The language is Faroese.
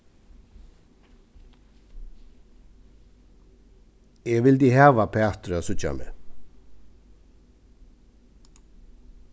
eg vildi hava pætur at síggja meg